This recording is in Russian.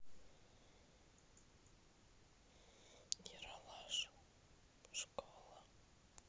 ералаш школа